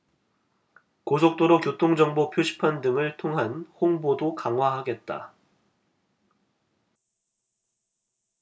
고속도로 교통정보 표시판 등을 통한 홍보도 강화하겠다